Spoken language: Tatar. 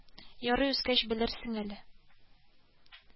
Ярый үскәч белерсең әле